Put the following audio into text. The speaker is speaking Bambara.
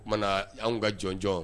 Oumana anw ka jɔnj